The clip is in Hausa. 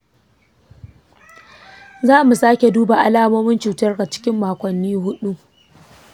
za mu sake duba alamomin cutarka cikin makonni hudu.